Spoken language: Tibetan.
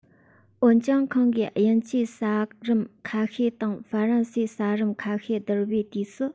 འོན ཀྱང ཁོང གིས དབྱིན ཇིའི ས རིམ ཁ ཤས དང ཧྥ རན སིའི ས རིམ ཁ ཤས བསྡུར པའི དུས སུ